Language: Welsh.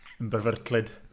Yn perfertlyd.